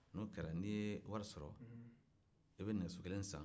n'o kɛra n'i ye wari sɔrɔ i bɛ nɛgɛso kelen san